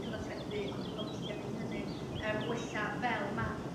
cyfathrebu ond dwi'n gobeithio neith hynny yym wella fel 'ma